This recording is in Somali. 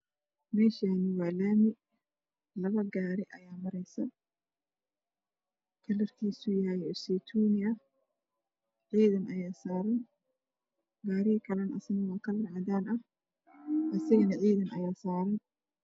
Meeshaan waa laami labo gaari ayaa mareyso kalarkiisu yahay saytuun ciidan ayaa saaran. Gaariga kale na waa gaari qalin cadaan ah asna ciidan I saaran.